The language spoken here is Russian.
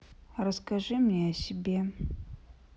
расскажи мне о себе